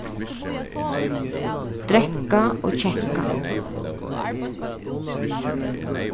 drekka og kekka